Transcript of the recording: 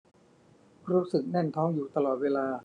รู้สึกแน่นท้องอยู่ตลอดเวลา